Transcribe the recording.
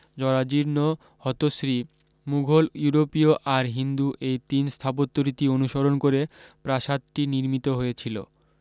জরাজীর্ণ হতশরী মুঘল ইউরোপীয় আর হিন্দু এই তিন স্থাপত্যরীতি অনুসরণ করে প্রাসাদটি নির্মিত হয়েছিলো